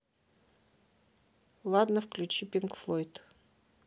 ладно включи пинк флойд